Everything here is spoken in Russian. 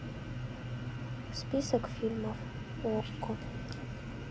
список фильмов окко